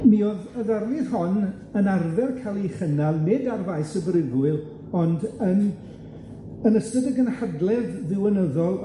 Mi o'dd y ddarlith hon yn arfer ca'l 'i chynnal, nid ar faes y brifwyl, ond yn yn ystod y gynhadledd ddiwinyddol